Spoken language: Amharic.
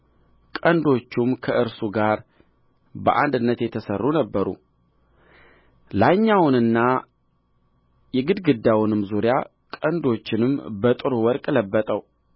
ቀንዶቹም ከእርሱ ጋር በአንድነት የተሠሩ ነበሩ ላይኛውንና የግድግዳውንም ዙሪያ ቀንዶቹንም በጥሩ ወርቅ ለበጠው